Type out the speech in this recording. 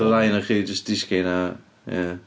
Y ddau ohonoch chi jyst disgyn a... ia.